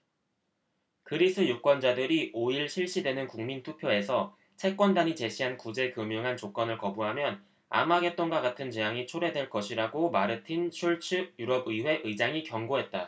그리스 유권자들이 오 일 실시되는 국민투표에서 채권단이 제시한 구제금융안 조건을 거부하면 아마겟돈과 같은 재앙이 초래될 것이라고 마르틴 슐츠 유럽의회 의장이 경고했다